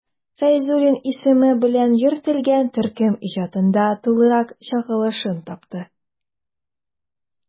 Фәйзуллин исеме белән йөртелгән төркем иҗатында тулырак чагылышын тапты.